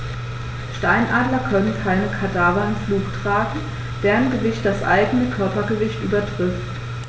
Steinadler können keine Kadaver im Flug tragen, deren Gewicht das eigene Körpergewicht übertrifft.